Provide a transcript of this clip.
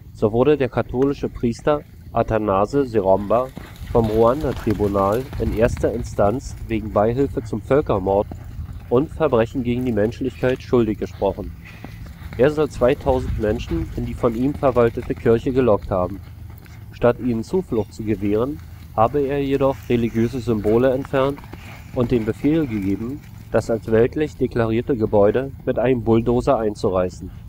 So wurde der katholische Priester Athanase Seromba vom Ruanda-Tribunal in erster Instanz wegen Beihilfe zum Völkermord und Verbrechen gegen die Menschlichkeit schuldig gesprochen. Er soll 2000 Menschen in die von ihm verwaltete Kirche gelockt haben. Statt ihnen Zuflucht zu gewähren, habe er jedoch religiöse Symbole entfernt und den Befehl gegeben, das als weltlich deklarierte Gebäude mit einem Bulldozer einzureißen